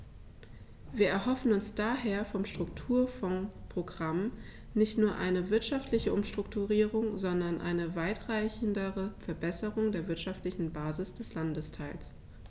Wir erhoffen uns daher vom Strukturfondsprogramm nicht nur eine wirtschaftliche Umstrukturierung, sondern eine weitreichendere Verbesserung der wirtschaftlichen Basis des Landesteils.